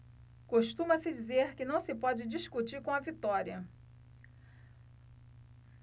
costuma-se dizer que não se pode discutir com a vitória